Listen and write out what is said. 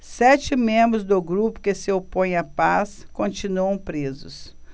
sete membros do grupo que se opõe à paz continuam presos